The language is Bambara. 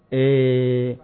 Ee